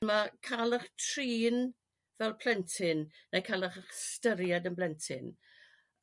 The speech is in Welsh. Ma' ca'l ych trin fel plentyn neu ca'l ych 'styried yn blentyn